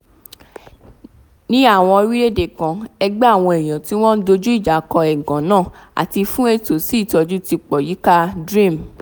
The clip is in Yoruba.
Ní àwọn orílẹ̀-èdè kan ẹgbẹ́ àwọn èèyàn tí wọ́n ń dojú ìjà kọ ẹ̀gàn náà àti fún ẹ̀tọ́ sí ìtọ́jú tí pọ̀ yíká DREAM.